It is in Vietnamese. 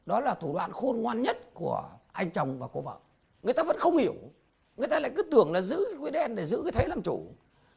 đó là thủ đoạn khôn ngoan nhất của anh chồng và cô vợ người ta vẫn không hiểu người ta lại cứ tưởng là giữ cái quỹ đen để giữ cái thế làm chủ